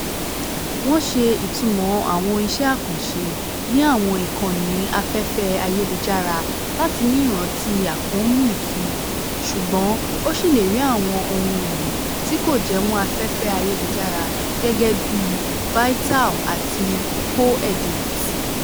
Wọ́n ṣe ìtumọ̀ àwọn iṣẹ́ àkànṣe ní àwọn ìkànnì afẹ́fẹ́ ayélujára láti ni ìrántí àkóónú ìtumọ̀, ṣùgbọ́n ó ṣì lè rí àwọn òhun èlò tí kò jẹmọ́ afẹ́fẹ́ ayélujára gẹ́gẹ́ bíi Virtaal àti Poedit.